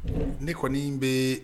Ne kɔni bɛ